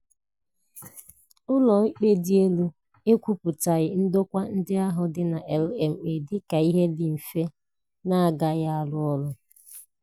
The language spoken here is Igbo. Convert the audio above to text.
Ụlọikpe Dị Elu ekwupụtaghị ndokwa ndị ahụ dị na LMA dị ka ihe dị efu na-agaghị arụ ọrụ.